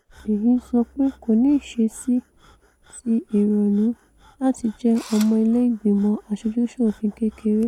Èyí ńsọpe kòní ìṣeṣí ti ìrònú láti jẹ́ Ọmọ Ilé Ìgbìmọ̀ Aṣojú-ṣòfin Kékeré.